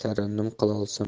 tarannum qilolsam edi